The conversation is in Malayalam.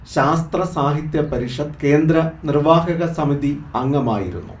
ശാസ്ത്രസാഹിത്യ പരിഷത്ത് കേന്ദ്ര നിർവ്വാഹക സമിതി അംഗമായിരുന്നു